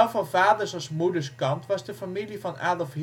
van vaders - als moederskant was de familie van Adolf